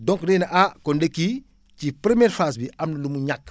donc da ngay ne ah kon de kii ci première phase bi am na lu mu ñàkk